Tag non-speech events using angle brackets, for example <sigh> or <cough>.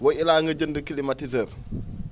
wa illaa nga jënd climatiseur <noise>